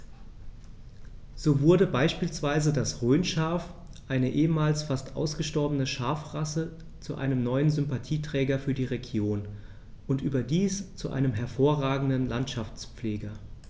So wurde beispielsweise das Rhönschaf, eine ehemals fast ausgestorbene Schafrasse, zu einem neuen Sympathieträger für die Region – und überdies zu einem hervorragenden Landschaftspfleger.